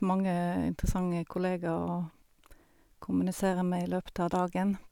Mange interessante kolleger å kommunisere med i løpet av dagen.